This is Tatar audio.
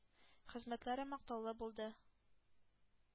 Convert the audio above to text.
Хезмәтләре мактаулы булды